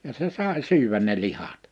ja se sai syödä ne lihat